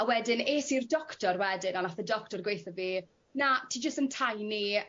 a wedyn es i'r doctor wedyn a nath y doctor gweutho fi na ti jys yn tiny